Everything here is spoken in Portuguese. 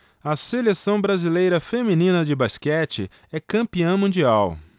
a seleção brasileira feminina de basquete é campeã mundial